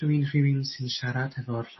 dw i'n rhywun sy'n siarad hefo'r